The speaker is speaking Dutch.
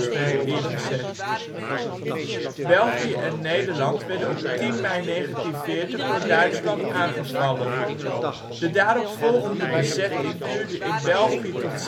werden ingezet. België en Nederland werden op 10 mei 1940 door Duitsland aangevallen. De daaropvolgende bezetting duurde in België tot